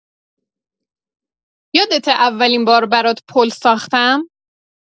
یادته اولین بار برات پل ساختم؟